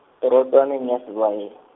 torotswaneng ya Sebayeng.